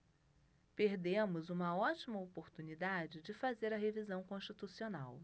perdemos uma ótima oportunidade de fazer a revisão constitucional